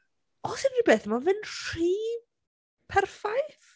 os unryw beth mae fe'n rhy perffaith.